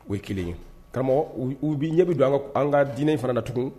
O ye kelen ye kama u bɛ ɲɛ bɛ don an an ka diinɛ in fana na tugun